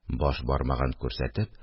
– баш бармагын күрсәтеп,